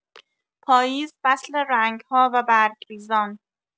پاییز فصل رنگ‌ها و برگ‌ریزان